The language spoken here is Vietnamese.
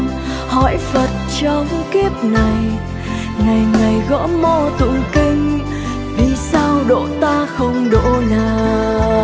hỏi phật trong kiếp này ngày ngày gõ mõ tụng kinh vì sao độ ta không độ nàng